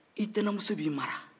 i tɛnɛnmuso b'i mara